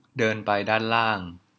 เดินไปด้านล่าง